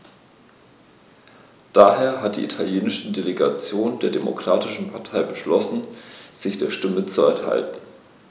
Daher hat die italienische Delegation der Demokratischen Partei beschlossen, sich der Stimme zu enthalten.